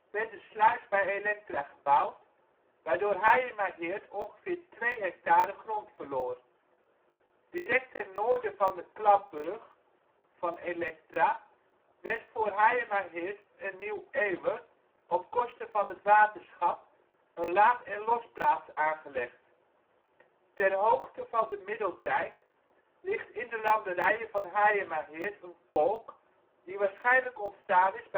werd de sluis bij Electra gebouwd, waardoor Hayemaheerd ongeveer 2 hectare grond verloor. Direct ten noorden van de klapbrug van Electra werd voor Hayemaheerd en Nieuw Ewer op kosten van het waterschap een laad - en losplaats aangelegd. Ter hoogte van de Middeldijk ligt in de landerijen van Hayemaheerd een kolk, die waarschijnlijk ontstaan is